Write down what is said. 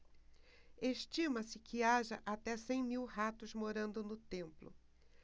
estima-se que haja até cem mil ratos morando no templo